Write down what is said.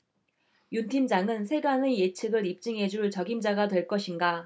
윤 팀장은 세간의 예측을 입증해 줄 적임자가 될 것인가